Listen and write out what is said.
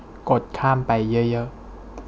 กดข้ามไปเยอะเยอะ